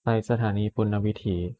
ไปสถานีปุณณวิถี